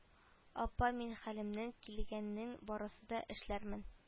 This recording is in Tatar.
Апа мин хәлемнән килгәннең барысын да эшләрмен